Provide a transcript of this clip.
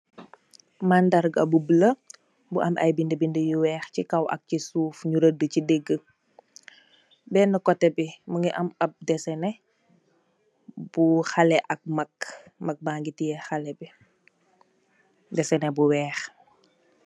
Mandarga bu bula bu am ay bindé bindé yu wèèx ci kaw ak ci suuf ñu redd ci digi, benna koteh bi mugii am ap desen neh bu xalèh ak mak, mak ba ngi teyeh xalèh bi. Desen ne bu wèèx.